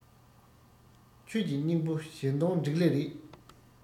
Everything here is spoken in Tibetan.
ཆོས ཀྱི སྙིང པོ གཞན དོན འགྲིག ལེ རེད